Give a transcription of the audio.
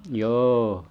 joo